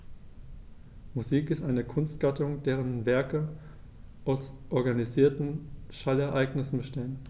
Musik ist eine Kunstgattung, deren Werke aus organisierten Schallereignissen bestehen.